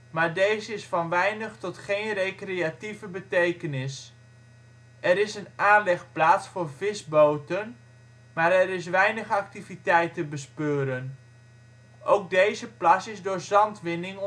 maar deze is van weinig tot geen recreatieve betekenis. Er is een aanlegplaats voor visboten (huur) maar er is weinig activiteit te bespeuren. Ook deze plas is door zandwinning